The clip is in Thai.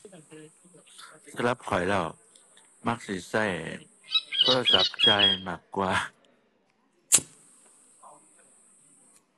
สำหรับข้อยแล้วมักสิใช้โทรศัพท์จ่ายมากกว่า